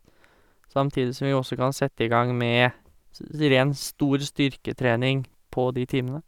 Samtidig som vi også kan sette i gang med s si ren stor styrketrening på de timene.